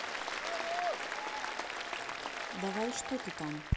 давайте что там